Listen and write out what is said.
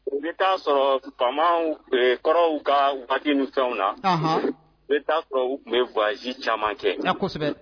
O bɛ t'a sɔrɔ faamaw kɔrɔw ka waatiw ni fɛnw na, unhun, la, i bɛ ta'a sɔrɔ u tun bɛ voyage caman kɛ, a kosɛbɛ